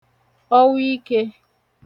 ọwụ ikē